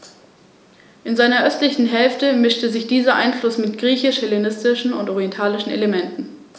In seiner östlichen Hälfte mischte sich dieser Einfluss mit griechisch-hellenistischen und orientalischen Elementen.